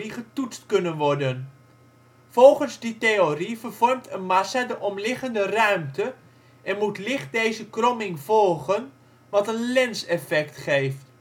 getoetst kunnen worden. Volgens die theorie vervormt een massa de omliggende ruimte en moet licht deze kromming volgen wat een lens-effect geeft